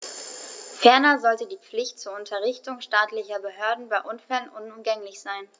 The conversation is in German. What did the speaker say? Ferner sollte die Pflicht zur Unterrichtung staatlicher Behörden bei Unfällen unumgänglich sein.